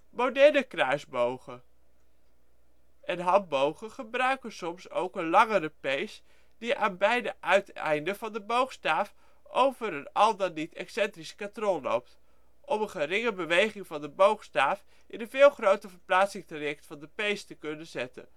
Moderne kruisbogen (en handbogen) gebruiken soms ook een langere pees die aan beide uiteinden van de boogstaaf over een al dan niet excentrische katrol loopt, om een geringe beweging van de boogstaaf in een veel groter verplaatsingstraject van de pees om te kunnen zetten